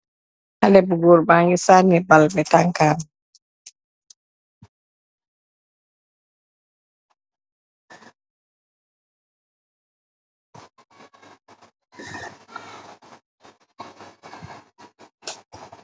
Heleh bu Goor ba ngi sani bal bi tankam